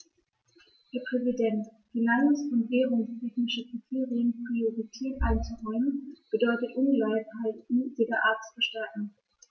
Herr Präsident, finanz- und währungstechnischen Kriterien Priorität einzuräumen, bedeutet Ungleichheiten jeder Art zu verstärken.